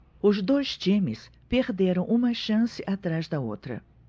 os dois times perderam uma chance atrás da outra